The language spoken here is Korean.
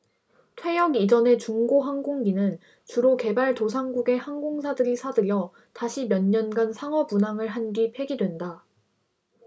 퇴역 이전의 중고 항공기는 주로 개발도상국의 항공사들이 사들여 다시 몇년간 상업운항을 한 뒤 폐기된다